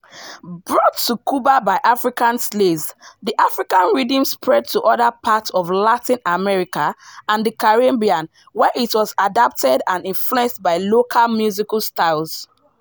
Brought to Cuba by African slaves, the African rhythm spread to other parts of Latin America and the Caribbean, where it was adapted and influenced by local musical styles.